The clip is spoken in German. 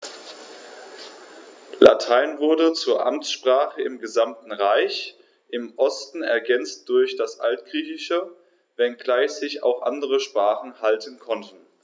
Latein wurde zur Amtssprache im gesamten Reich (im Osten ergänzt durch das Altgriechische), wenngleich sich auch andere Sprachen halten konnten.